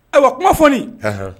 Ayiwa kuma fɔoni